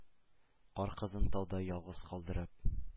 Кар кызын тауда ялгыз калдырып,